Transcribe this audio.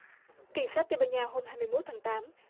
cảnh sát tây ban nha hôm hai mươi mốt tháng tám